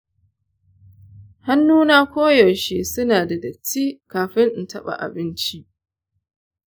hannuna koyaushe suna da datti kafin in taɓa abinci.